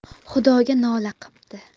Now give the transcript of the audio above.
xudoga nola qipti